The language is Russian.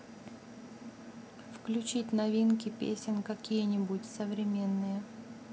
включить новинки песен какие нибудь современные